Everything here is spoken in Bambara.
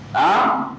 Aaaa